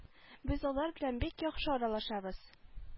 Без алар белән бик яхшы аралашабыз